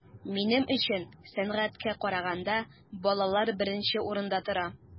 Минем өчен сәнгатькә караганда балалар беренче урында тора.